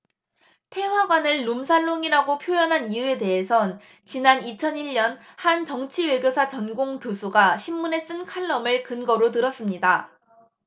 태화관을 룸살롱이라고 표현한 이유에 대해선 지난 이천 일 년 한 정치외교사 전공 교수가 신문에 쓴 칼럼을 근거로 들었습니다